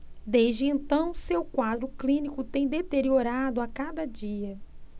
desde então seu quadro clínico tem deteriorado a cada dia